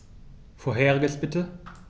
Vorheriges bitte.